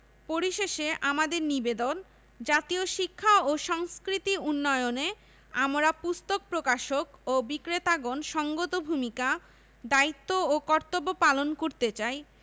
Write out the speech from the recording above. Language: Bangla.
পরিশেষে আমাদের নিবেদন জাতীয় শিক্ষা ও সংস্কৃতি উন্নয়নে আমরা পুস্তক প্রকাশক ও বিক্রেতাগণ সঙ্গত ভূমিকা দায়িত্ব ও কর্তব্য পালন করতে চাই